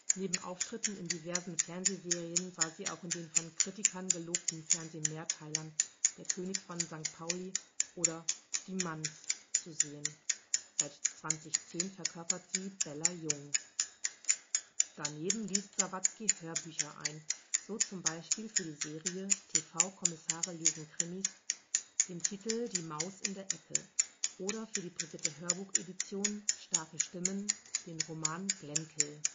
Neben Auftritten in diversen Fernsehserien war sie auch in den von Kritikern gelobten Fernsehmehrteilern Der König von St. Pauli oder Die Manns zu sehen. Seit 2010 verkörpert sie Bella Jung. Daneben liest Sawatzki Hörbücher ein, so zum Beispiel für die Serie TV-Kommissare lesen Krimis den Titel Die Maus in der Ecke oder für die Brigitte Hörbuch-Edition Starke Stimmen den Roman Glennkill